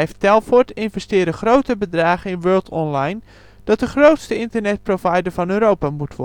Telfort investeren grote bedragen in World Online, dat de grootste internetprovider van Europa moet worden